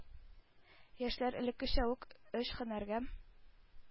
Яшьләр элеккечә үк өч һөнәргә